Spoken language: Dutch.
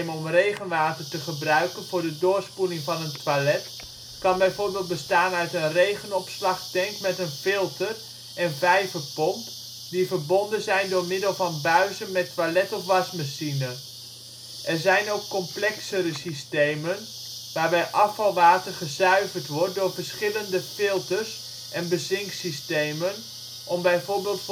om regenwater te gebruiken voor de doorspoeling van een toilet kan bijvoorbeeld bestaan uit een regenopslagtank met een filter en (vijver) pomp die verbonden zijn door middel van buizen met toilet of wasmachine. Er zijn ook complexere systemen waarbij afvalwater gezuiverd wordt door verschillende filters en bezinksystemen om bijvoorbeeld